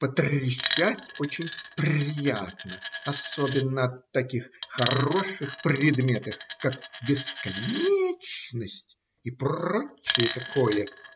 – Потрещать очень приятно, особенно о таких хороших предметах, как бесконечность и прочее такое.